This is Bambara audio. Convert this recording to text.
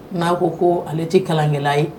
Ŋ'a ko koo ale te kalankɛla ye